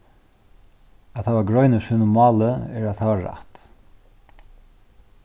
at hava grein í sínum máli er at hava rætt